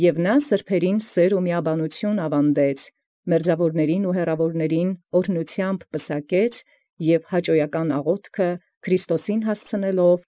Եւ սորա սրբոցն զսէր և զմիաբանութիւն աւանդեալ, զմերձաւորս և զհեռաւորս աւրհնութեամբ պսակէր, և զհաճոյական աղաւթս հասուցեալ ի Քրիստոս՝ հանգեաւ։